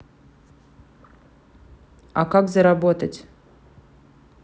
а как заработать